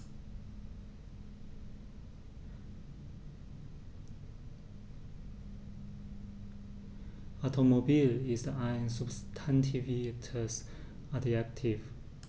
Automobil ist ein substantiviertes Adjektiv.